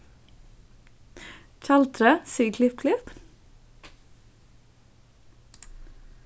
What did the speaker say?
tjaldrið sigur klipp klipp